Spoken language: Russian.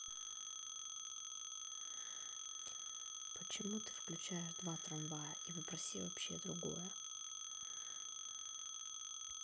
почему ты включаешь два трамвая и попроси вообще другое